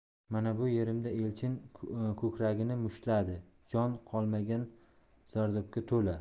mana bu yerimda elchin ko'kragini mushtladi jon qolmagan zardobga to'la